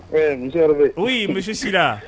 U ye misi sira